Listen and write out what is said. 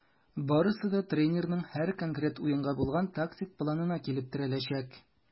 Барысы да тренерның һәр конкрет уенга булган тактик планына килеп терәләчәк.